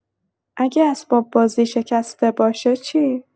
اگه اسباب‌بازی شکسته باشه چی؟